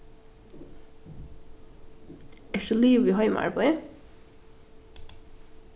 ert tú liðug við heimaarbeiðið